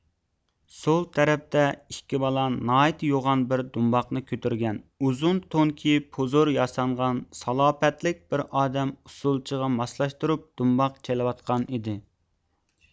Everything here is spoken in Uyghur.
سول تەرەپتە ئىككى بالا ناھايىتى يوغان بىر دۇمباقنى كۆتۈرگەن ئۇزۇن تون كىيىپ پۇزۇر ياسانغان سالاپەتلىك بىر ئادەم ئۇسسۇلچىغا ماسلاشتۇرۇپ دۇمباق چېلىۋاتقان ئىدى